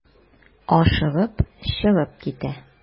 Ашыгып чыгып китә.